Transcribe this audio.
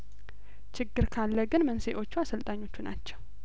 ችግር ካለግን መንስኤዎቹ አሰልጣኞች ናቸው